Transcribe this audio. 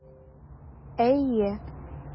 Әйе.